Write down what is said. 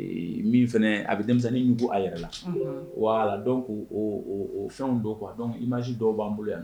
Min fana a bɛ denmisɛnninninugu a yɛrɛ la wala dɔn k' fɛnw don kuwa dɔn i masi dɔw b'an bolo yan